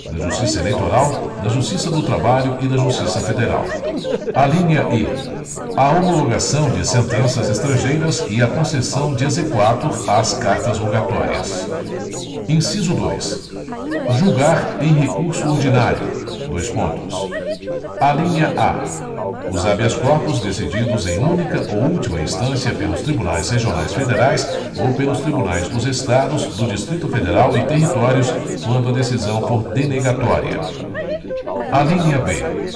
da justiça eleitoral da justiça do trabalho e da justiça federal alínea i a homologação de sentenças estrangeiras e a concessão de exequatur às cartas rogatórias inciso dois julgar em recurso ordinário dois pontos alínea a os habeas corpus decididos em única ou última instância pelos tribunais regionais federais ou pelos tribunais dos estados do distrito federal e territórios quando a decisão for denegatória alínea b